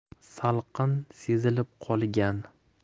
salqin sezilib qolgan